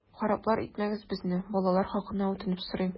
Хараплар итмәгез безне, балалар хакына үтенеп сорыйм!